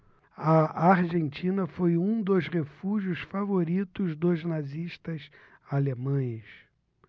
a argentina foi um dos refúgios favoritos dos nazistas alemães